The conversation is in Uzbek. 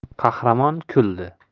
qahramon kuldi